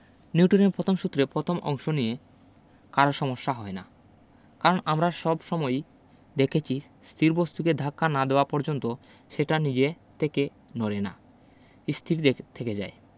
নিউটনের পথম সূত্রের পথম অংশ নিয়ে কারো সমস্যা হয় না কারণ আমরা সব সময়ই দেখেছি স্থির বস্তুকে ধাক্কা না দেওয়া পর্যন্ত সেটা নিজে থেকে নড়ে না স্থির থেকে যায়